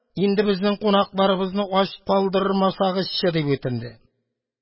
Инде безнең кунакларыбызны ач калдырмасагызчы! – дип үтенде.